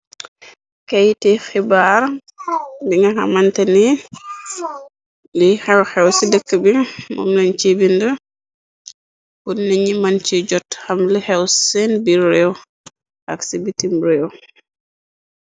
Keiti khibarr bii nga hamanteh neh lii heww heww cii dehku bii mom len chi binda, pur nitt njii man seh jot ham lu heww sehn birr reww ak ci bitim reww.